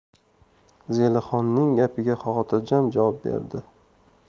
zelixonning gapiga xotirjam javob berdi